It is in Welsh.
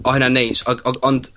...o' hynna'n neis odd odd ond